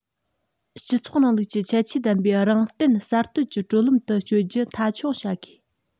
སྤྱི ཚོགས རིང ལུགས ཀྱི ཁྱད ཆོས ལྡན པའི རང བརྟེན གསར གཏོད ཀྱི བགྲོད ལམ དུ སྐྱོད རྒྱུ མཐའ འཁྱོངས བྱ དགོས